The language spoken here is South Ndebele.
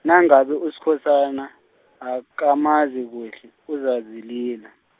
nangabe Uskhosana, akamazi kuhle, uzazilila.